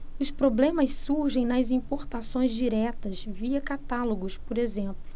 os problemas surgem nas importações diretas via catálogos por exemplo